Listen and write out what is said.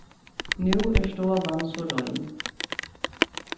nú er stovan so rein